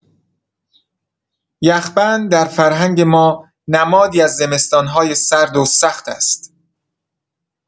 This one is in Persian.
یخ‌بند در فرهنگ ما نمادی از زمستان‌های سرد و سخت است.